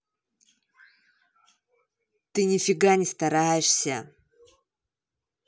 ты нифига не стараешься